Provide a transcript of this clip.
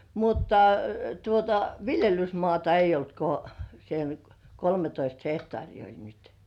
mutta tuota viljelysmaata ei ollut kuin sen kolmetoista hehtaaria oli nyt